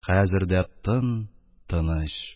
Хәзер дә тын, тыныч.